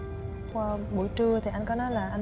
qua buổi trưa thì anh có nói là anh